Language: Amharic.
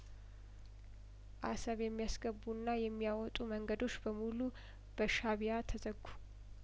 አሰብ የሚያስ ገቡና የሚያወጡ መንገዶች በሙሉ በሻእቢያ ተዘጉ